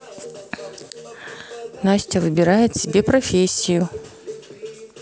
настя выбирает себе профессию